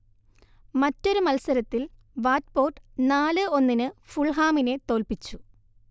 മറ്റൊരു മത്സരത്തിൽ വാറ്റ്പോർഡ് നാല് ഒന്നിന് ഫുൾഹാമിനെ തോൽപ്പിച്ചു